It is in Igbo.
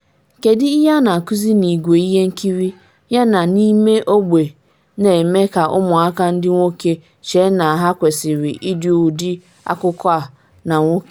Kedu ihe a na-akuzi n’igwe ihe nkiri, yana n’ime ogbe na-eme ka ụmụaka ndị nwoke chee na ha kwesịrị ịdị ụdị akụkụ a na nwoke?